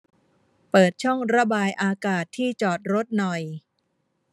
เปิดช่องระบายอากาศที่จอดรถหน่อย